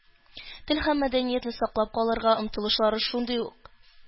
Тел һәм мәдәниятне саклап калырга омтылышлары шундый ук.